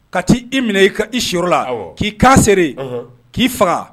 Ka t'i minɛ i sigiyɔrɔ, awɔ, ka i kan seere, ɔnhɔn, k'i faga